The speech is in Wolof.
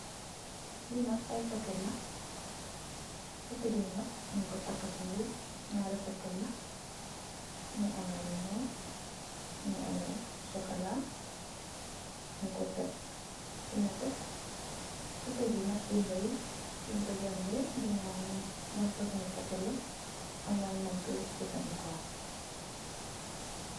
Li nak ay packet la packeti nak nyun ko taka si mbuss naari packet la mogi ame lu nuul mongi amex lu cxocola nyun ko tek fo nete packet bi nak bindai sonko jangeh daga xam la ban fosongi packet la ak lan len koi jefendeko.